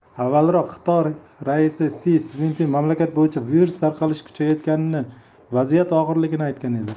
avvalroq xitoy raisi si szinpin mamlakat bo'yicha virus tarqalishi kuchayotganini vaziyat og'irligini aytgan edi